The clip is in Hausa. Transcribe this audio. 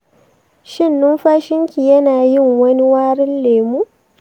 shin numfashinki yana yin wani warin lemu?